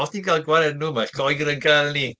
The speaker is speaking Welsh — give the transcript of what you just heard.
Os ni'n cael gwared nhw, ma' Lloegr yn cael ni.